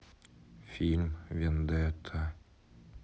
фильм вендетта